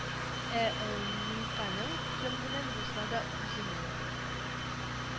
Ә эЛ неңканың кем белән булса да үзенең